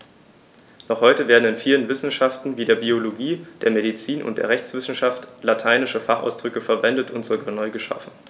Noch heute werden in vielen Wissenschaften wie der Biologie, der Medizin und der Rechtswissenschaft lateinische Fachausdrücke verwendet und sogar neu geschaffen.